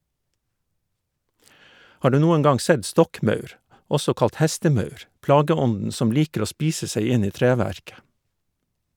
Har du noen gang sett stokkmaur, også kalt hestemaur, plageånden som liker å spise seg inn i treverket?